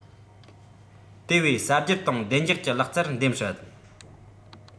དེ བས གསར སྒྱུར དང བདེ འཇགས ཀྱི ལག རྩལ འདེམས སྲིད